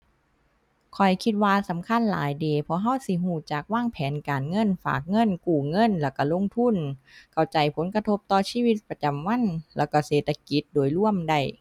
ข้อยคิดว่าสำคัญหลายเดะ เพราะเราสิเราจักวางแผนการเงิน ฝากเงิน กู้เงิน แล้วเราลงทุน เข้าใจผลกระทบต่อชีวิตประจำวันแล้วเราเศรษฐกิจโดยรวมได้